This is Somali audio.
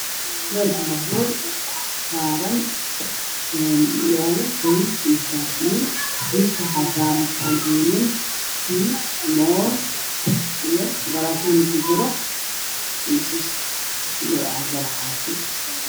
Waa hool waxaa yaalo kuraasman iyo miisas. Miiska waxaa saaran qaadooyin, tiish, moos iyo galaas tiish kujiro iyo caago caafi ah.